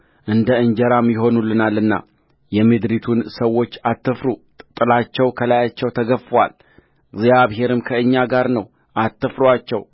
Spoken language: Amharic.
እንደ እንጀራ ይሆኑልናልና የምድሪቱን ሰዎች አትፍሩ ጥላቸው ከላያቸው ተገፍፎአል እግዚአብሔርም ከእኛ ጋር ነው አትፍሩአቸው